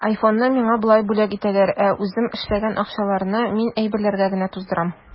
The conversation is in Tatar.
Айфонны миңа болай бүләк итәләр, ә үзем эшләгән акчаларны мин әйберләргә генә туздырам.